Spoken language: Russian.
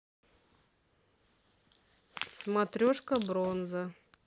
смотрешка бронза